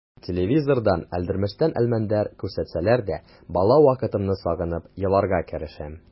Телевизордан «Әлдермештән Әлмәндәр» күрсәтсәләр дә бала вакытымны сагынып еларга керешәм.